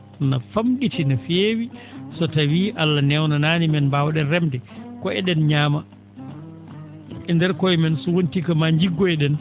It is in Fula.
na fam?iti no feewi so tawii Allah newnanaani men mbaaw?en remde ko e?en ñaama e ndeer koye men so wontii ko maa njiggoyo?en